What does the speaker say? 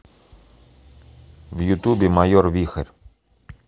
в ютубе майор вихрь